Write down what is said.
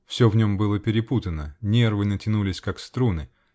Все в нем было перепутано -- нервы натянулись, как струны.